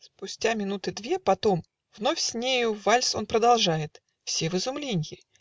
Спустя минуты две потом Вновь с нею вальс он продолжает Все в изумленье.